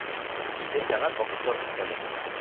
Илле сәгать вакыт сарыф итәләр.